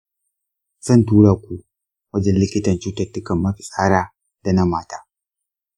zan tura ku wajen likitan cututtukan mafitsara da na mata.